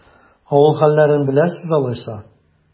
Авыл хәлләрен беләсез алайса?